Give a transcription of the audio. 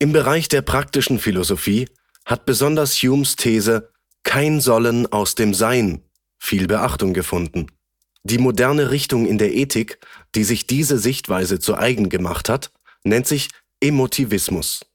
Bereich der Praktischen Philosophie hat besonders Humes These „ Kein Sollen aus dem Sein “viel Beachtung gefunden. Die moderne Richtung in der Ethik, die sich diese Sichtweise zu Eigen gemacht hat, nennt sich „ Emotivismus